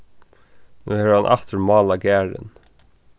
nú hevur hann aftur málað garðin